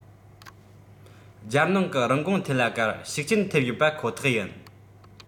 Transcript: རྒྱལ ནང གི རིན གོང ཐད ལ ཀར ཤུགས རྐྱེན ཐེབས ཡོད པ ཁོ ཐག ཡིན